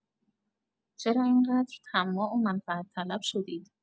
چرا اینقدر طماع و منفعت‌طلب شدید؟